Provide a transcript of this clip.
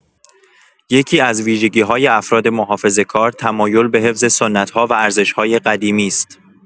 یکی‌از ویژگی‌های افراد محافظه‌کار، تمایل به حفظ سنت‌ها و ارزش‌های قدیمی است.